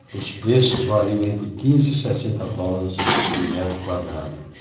os preços variam entre quinze e sessenta dólares o metro quadrado